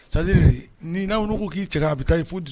Sadiri ni n'a wu ko k'i cɛ a bɛ taa